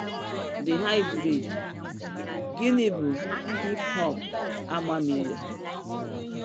The High Breed: Gịnị bụ hip hop amamịghe?